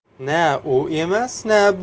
na u emas